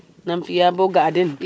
nam fiya bo ga a den